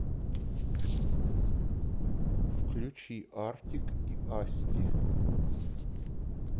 включи артик и асти